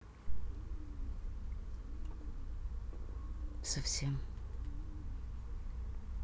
совсем